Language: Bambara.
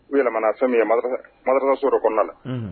U yɛlɛmana so min so dɔ kɔnɔna na